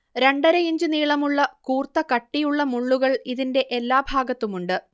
രണ്ടരയിഞ്ച് നീളമുള്ള കൂർത്ത കട്ടിയുള്ള മുള്ളുകൾ ഇതിന്റെ എല്ലാഭാഗത്തുമുണ്ട്